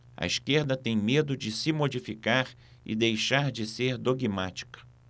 a esquerda tem medo de se modificar e deixar de ser dogmática